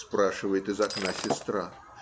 - спрашивает из окна сестра.